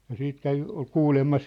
ja sitten kävi oli kuulemma -